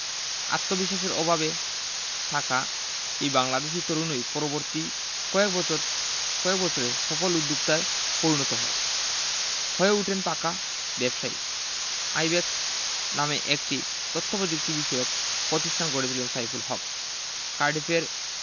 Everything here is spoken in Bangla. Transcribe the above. আত্মবিশ্বাসের অভাবে থাকা এই বাংলাদেশি তরুণই পরবর্তী কয়েক বছর কয়েক বছরে সফল উদ্যোক্তায় পরিণত হয় হয়ে ওঠেন পাকা ব্যবসায়ী আইব্যাকস নামে একটি তথ্যপ্রযুক্তিবিষয়ক প্রতিষ্ঠান গড়ে তোলেন সাইফুল হক কার্ডিফের